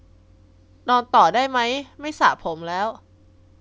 นอนต่อได้ไหมไม่สระผมแล้ว